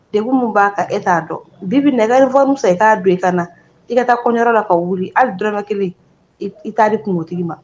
De min b'a e t'a dɔn bibi nɛgɛ fɔmuso i k'a don i ka na i ka taa kɔnyɔrɔ la ka wuli hali duraba kelen i t'a di kunbotigi ma